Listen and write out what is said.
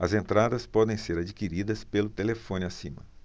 as entradas podem ser adquiridas pelo telefone acima